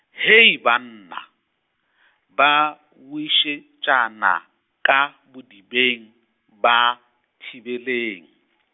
Hei banna, ba, wišetšana, ka, bodibeng, ba, thibeleng.